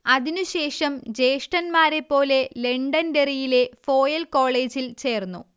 അതിനു ശേഷം ജ്യേഷ്ഠന്മാരെപ്പോലെ ലണ്ടൻഡെറിയിലെ ഫോയൽ കോളേജിൽ ചേർന്നു